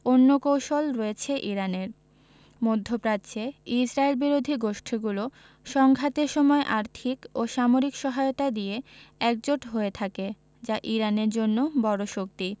অন্য কৌশল রয়েছে ইরানের মধ্যপ্রাচ্যে ইসরায়েলবিরোধী গোষ্ঠীগুলো সংঘাতের সময় আর্থিক ও সামরিক সহায়তা দিয়ে একজোট হয়ে থাকে যা ইরানের জন্য বড় শক্তি